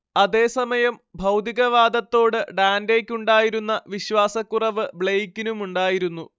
അതേസമയം ഭൗതികവാദത്തോട് ഡാന്റേക്കുണ്ടായിരുന്ന വിശ്വാസക്കുറവ് ബ്ലെയ്ക്കിനുമുണ്ടായിരുന്നു